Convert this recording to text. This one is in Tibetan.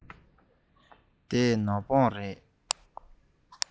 འདི ནག པང རེད